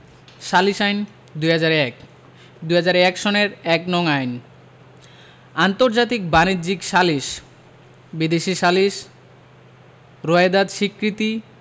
সালিস আইন ২০০১ ২০০১ সনের ১নং আইন আন্তর্জাতিক বাণিজ্যিক সালিস বিদেশী সালিস রোয়েদাদ স্বীকৃতি